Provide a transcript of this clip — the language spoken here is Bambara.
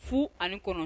Fu ani kɔnɔ